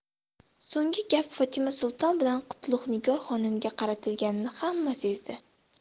so'nggi gap fotima sulton bilan qutlug' nigor xonimga qaratilganini hamma sezdi